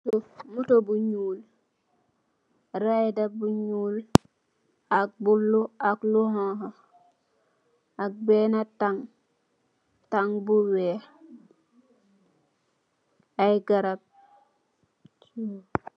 Moto bu nyul, rayda bu nyul, ak bulo ak honha, bena tang, tang bu weh. ay garap!